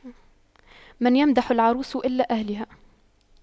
من يمدح العروس إلا أهلها